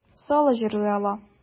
Соло җырлый ала.